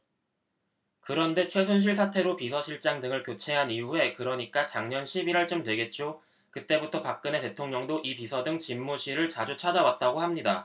그런데 최순실 사태로 비서실장 등을 교체한 이후에 그러니까 작년 십 일 월쯤 되겠죠 그때부터 박근혜 대통령도 이 비서동 집무실을 자주 찾아왔다고 합니다